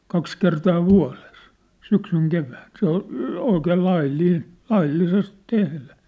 kaksi kertaa vuodessa syksyn kevään se oli oikein laillinen laillisesti tehdä